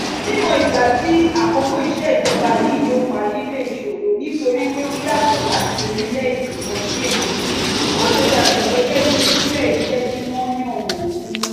Mímọ ìgbà tí àkókò ìṣèjọba yìí yóò parí le ṣòro nítorí pé ó yàtọ̀ láti orílẹ̀ èdè kan sí èkejì ó ṣí yàtọ̀ gẹ́gẹ́ bíi irúfẹ́ iṣẹ́ tí wọ́n yàn wọ́n fún.